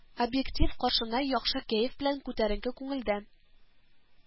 Объектив каршына яхшы кәеф белән, күтәренке күңелдә